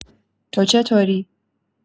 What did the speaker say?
تو چطوری؟